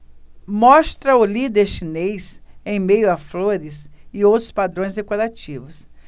mostra o líder chinês em meio a flores e outros padrões decorativos